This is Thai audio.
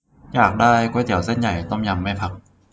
อยากได้ก๋วยเตี๋ยวเส้นใหญ่ต้มยำไม่ใส่ผัก